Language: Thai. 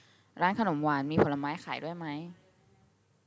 ร้านขนมหวานมีผลไม้ขายด้วยไหม